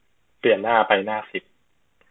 เปลี่ยนหน้าไปหน้าสิบ